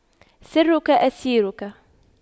سرك أسيرك